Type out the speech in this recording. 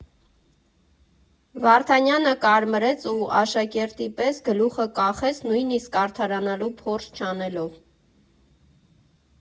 Վարդանյանը կարմրեց ու աշակերտի պես գլուխը կախեց, նույնիսկ արդարանալու փորձ չանելով։